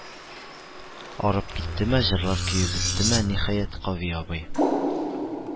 Арып киттеме, җырлар көе беттеме, ниһаять, Кави абый